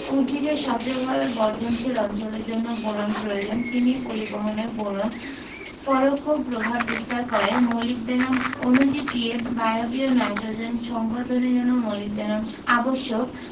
উদ্ভিদের সক্রিয়ভাবে বর্ধনশীল অঞ্চলের জন্য বোরন প্রয়োজন চিনি পরিবহনে বোরন পরোক্ষ প্রভাব বিস্তার করে মোলিবডেনাম অণুজীব দিয়ে বায়বীয় নাইট্রোজেন সংবন্ধনের জন্য মোলিবডেনাম আবশ্যক